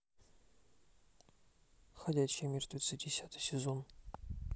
ходячие мертвецы десятый сезон смотреть